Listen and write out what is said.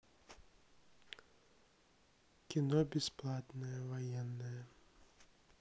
кино бесплатно военное